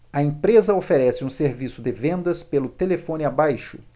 a empresa oferece um serviço de vendas pelo telefone abaixo